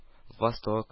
Восток